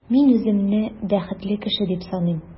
Мин үземне бәхетле кеше дип саныйм.